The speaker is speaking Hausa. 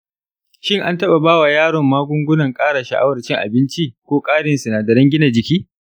shin an taɓa ba wa yaron magungunan ƙara sha’awar cin abinci ko ƙarin sinadaran gina jiki?